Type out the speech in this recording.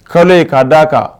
Ko k'a da a kan